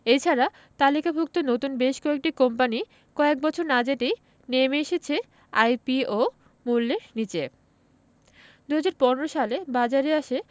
এ ছাড়া তালিকাভুক্ত নতুন বেশ কয়েকটি কোম্পানি কয়েক বছর না যেতেই নেমে এসেছে আইপিও মূল্যের নিচে ২০১৫ সালে বাজারে আসে